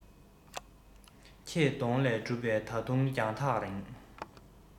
ཁྱེད གདོང ལས གྲུབ པའི ད དུང རྒྱང ཐག རིང